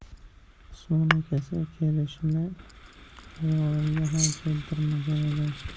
usmon akasi kelishini xayolimga ham keltirmagan edim